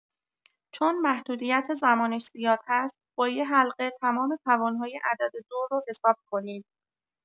چون محدودیت زمانش زیاد هست، با یه حلقه تمام توان‌های عدد دو رو حساب کنید.